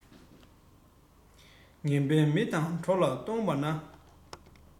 ངན པའི མི དང གྲོགས ལ བསྡོངས པ ན